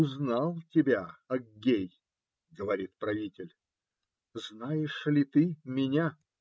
- Узнал я тебя, Аггей, - говорит правитель, - знаешь ли ты меня?